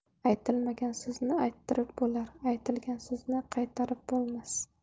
aytilmagan so'zni ayttirib bo'lar aytilgan so'zni qaytarib bo'lmas